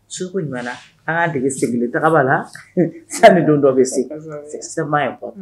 Su aa dege sigilen tagaba la fɛn min don dɔ bɛ se m ye kɔ